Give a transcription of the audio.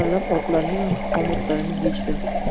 amallab otlarning xomutlarini yechdim